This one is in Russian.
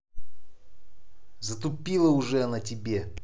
затупила уже она тебе